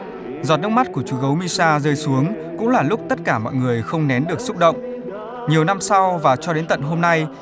giọt nước mắt của chú gấu mi sa rơi xuống cũng là lúc tất cả mọi người không nén được xúc động nhiều năm sau và cho đến tận hôm nay